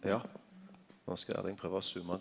ja nå skal Erling prøva å zooma.